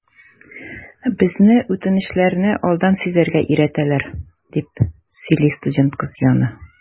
Безне үтенечләрне алдан сизәргә өйрәтәләр, - дип сөйли студент кыз Яна.